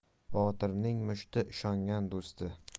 botirning mushti ishongan do'sti